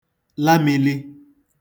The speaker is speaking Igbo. la mīlī